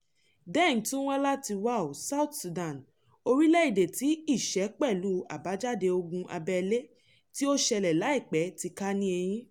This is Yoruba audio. Deng tún wá láti Wau, South Sudan, orílẹ̀-èdè tí ìṣẹ́ pẹ̀lú àbájáde ogun abẹ́lé tí ó ṣẹlẹ̀ láìpẹ́ ti ká ní eyín.